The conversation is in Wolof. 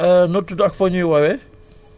noo tudd ak foo ñuy woowee